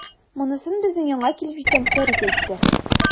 Монысын безнең янга килеп җиткән Фәрит әйтте.